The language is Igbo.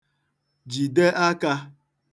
jide akā